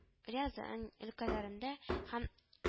Рязань өлкәләрендә һәм